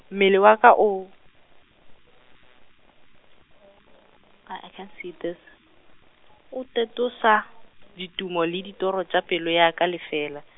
mmele wa ka o, I, I can't see this, o fetoša ditumo le ditoro tša pelo ya ka lefela.